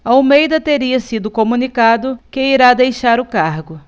almeida teria sido comunicado que irá deixar o cargo